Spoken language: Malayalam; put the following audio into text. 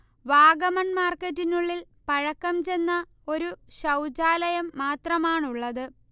വാഗമൺ മാർക്കറ്റിനുള്ളിൽ പഴക്കം ചെന്ന ഒരു ശൗചാലയം മാത്രമാണുള്ളത്